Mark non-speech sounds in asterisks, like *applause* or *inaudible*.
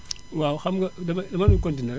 *smacks lips* waaw xam nga damay damay continué rek